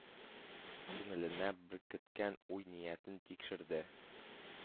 Күңеленә беркеткән уй-ниятен тикшерде.